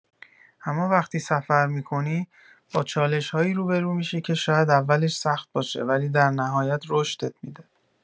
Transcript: اما وقتی سفر می‌کنی، با چالش‌هایی روبه‌رو می‌شی که شاید اولش سخت باشه، ولی در نهایت رشدت می‌ده.